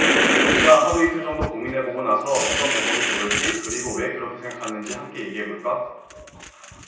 네가 하루 이틀 정도 고민해 보고 나서 어떤 방법이 좋을지 그리고 왜 그렇게 생각하는지 함께 얘기해 볼까